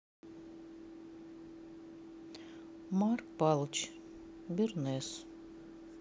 марк палыч бернес